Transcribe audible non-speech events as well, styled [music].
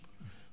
[hesitation] [hesitation]